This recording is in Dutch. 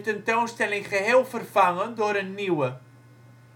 tentoonstelling geheel vervangen door een nieuwe.